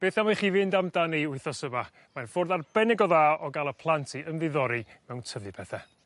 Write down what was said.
Beth am i chi fynd amdani wythnos yma, mae'n fordd arbennig o dda o ga'l y plant i ymddiddori mewn tyfu pethe.